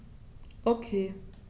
Okay.